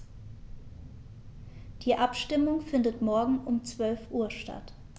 Die Abstimmung findet morgen um 12.00 Uhr statt.